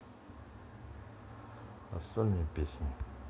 застольные песни